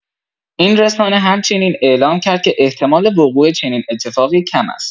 این رسانه همچین اعلام کرد که احتمال وقوع چنین اتفاقی کم است.